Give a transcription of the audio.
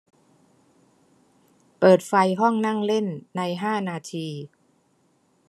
เปิดไฟห้องนั่งเล่นในห้านาที